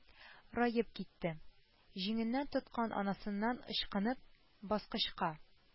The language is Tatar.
Раеп китте, җиңеннән тоткан анасыннан ычкынып, баскычка